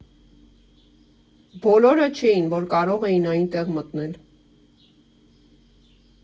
Բոլորը չէին, որ կարող էին այնտեղ մտնել.